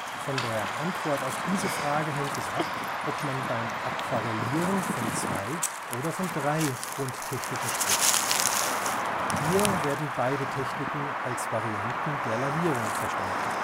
Von der Antwort auf diese Frage hängt es ab, ob man beim Aquarellieren von zwei oder von drei Grundtechniken spricht. Hier werden beide Techniken als Varianten der Lavierung verstanden